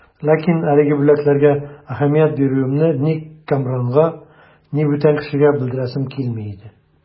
Ләкин әлеге бүләкләргә әһәмият бирүемне ни Кәмранга, ни бүтән кешегә белдерәсем килми иде.